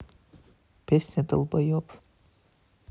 песня долбоеб